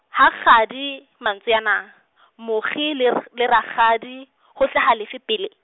ho kgadi, mantswe ana , mokgi le r-, le rakgadi, ho hlaha lefe pele?